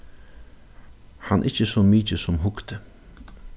hann ikki so mikið sum hugdi